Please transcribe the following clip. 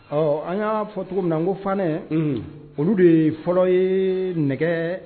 Ɔ an ɲ'aa fɔ togomin na ŋo fanɛ unhun olu dee fɔlɔ yee nɛgɛɛ